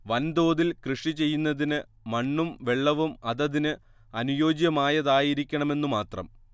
വൻതോതിൽ കൃഷിചെയ്യുന്നതിന് മണ്ണും വെള്ളവും അതതിന് അനുയോജ്യമായതായിരിക്കണമെന്നു മാത്രം